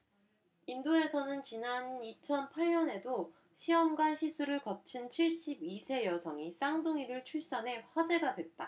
인도에서는 지난 이천 팔 년에도 시험관시술을 거친 칠십 이 세 여성이 쌍둥이를 출산해 화제가 됐다